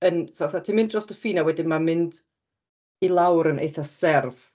Yn fatha... ti'n mynd drost y ffin, a wedyn mae'n mynd i lawr yn eitha serth... M-hm.